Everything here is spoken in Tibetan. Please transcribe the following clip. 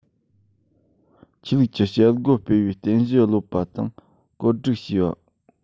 ཆོས ལུགས ཀྱི བྱེད སྒོ སྤེལ བའི རྟེན གཞི གློད པ དང བཀོད སྒྲིག བྱས པ